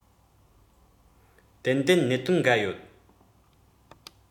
ཏན ཏན གནད དོན འགའ ཡོད